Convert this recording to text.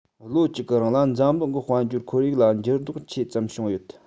ལོ གཅིག གི རིང ལ འཛམ གླིང གི དཔལ འབྱོར ཁོར ཡུག ལ འགྱུར ལྡོག ཆེ ཙམ བྱུང ཡོད